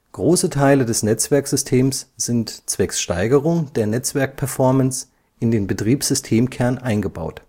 Große Teile des Netzwerksystems sind zwecks Steigerung der Netzwerkperformance in den Betriebssystemkern eingebaut